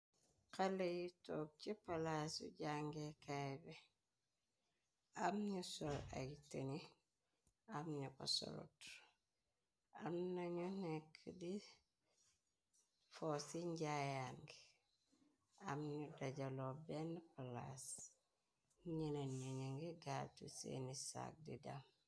Xale yi toog ci palaas yu jangee kaay bii. Am ñu sol ay tëni, Am nu ko solot am nañu nekk di foo ci njaayaan ngi. Am nu dajaloo benn palaas, ñinen ñu ñu ngi gaatu seeni saak di dem.